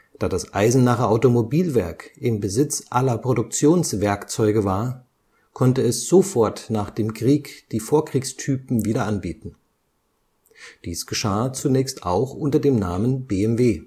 das Eisenacher Automobilwerk im Besitz aller Produktionswerkzeuge war, konnte es sofort nach dem Krieg die Vorkriegs-Typen wieder anbieten. Dies geschah zunächst auch unter dem Namen „ BMW